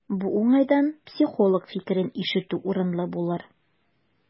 Бу уңайдан психолог фикерен ишетү урынлы булыр.